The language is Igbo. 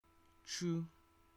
chu